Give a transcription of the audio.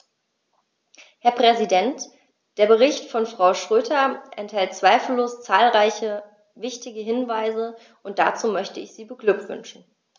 Herr Präsident, der Bericht von Frau Schroedter enthält zweifellos zahlreiche wichtige Hinweise, und dazu möchte ich sie beglückwünschen.